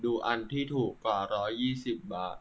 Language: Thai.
ดูอันที่ถูกกว่าร้อยยี่สิบบาท